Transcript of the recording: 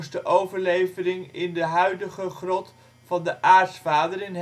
de overlevering in de huidige Grot van de Aartsvaderen